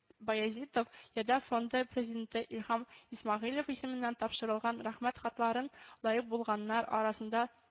Баязитов, “ярдәм” фонды президенты илһам исмәгыйлев исеменнән тапшырылган рәхмәт хатларын лаек булганнар арасында